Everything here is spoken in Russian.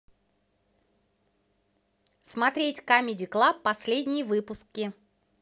смотреть камеди клаб последние выпуски